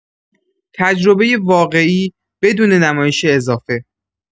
تجربۀ واقعی، بدون نمایش اضافه.